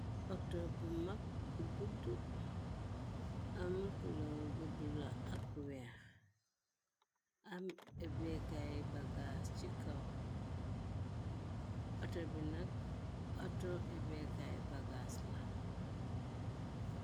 Auto bu mag bu gudd am culor bu bula ak weex. Am ebekaay bagaas ci kaw atobi nag ato ebekay bagaas la.